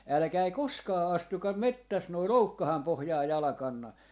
älkää koskaan astuko metsässä noin loukkaan pohjaan jalkaanne